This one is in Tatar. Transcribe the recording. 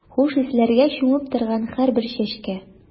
Хуш исләргә чумып торган һәрбер чәчкә.